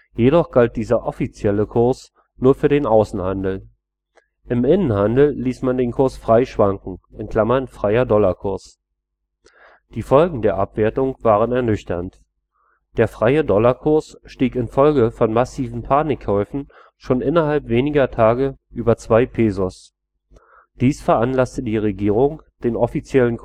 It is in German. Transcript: jedoch galt dieser „ offizielle “Kurs nur für den Außenhandel. Im Innenhandel ließ man den Kurs frei schwanken („ freier Dollarkurs “). Die Folgen der Abwertung waren ernüchternd. Der „ freie Dollarkurs “stieg infolge von massiven Panikkäufen schon innerhalb weniger Tage über zwei Pesos. Dies veranlasste die Regierung, den „ offiziellen